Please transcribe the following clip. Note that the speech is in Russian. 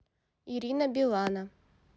ирина билана